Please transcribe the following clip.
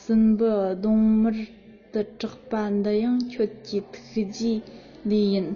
སྲིན བུ གདོང དམར དུ གྲགས པ འདི ཡང ཁྱོད ཀྱི ཐུགས རྗེ ལོས ཡིན